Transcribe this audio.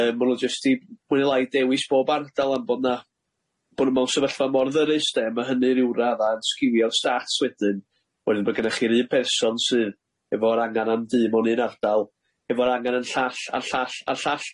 yy ma' nw jyst i mwy neu lai dewis bob ardal am bo' na bo nw mewn sefyllfa mor ddyrus de ma' hynny ryw radda yn sgifio'r stats wedyn wedyn ma' gynnoch chi'r un person sydd efo'r angan am dŷ mewn un ardal efo'r angan yn llall a'r llall a'r llall